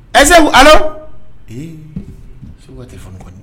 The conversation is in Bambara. Ɛsa ala ee segu tɛ f kɔni